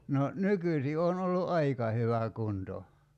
no nykyisin on ollut aika hyvä kunto